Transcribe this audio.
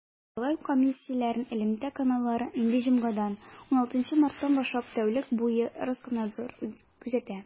Сайлау комиссияләрен элемтә каналларын инде җомгадан, 16 марттан башлап, тәүлек буе Роскомнадзор күзәтә.